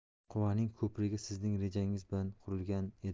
quvaning ko'prigi sizning rejangiz bilan qurilgan edi